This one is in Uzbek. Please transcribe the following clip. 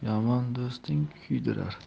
yomon do'sting kuydirar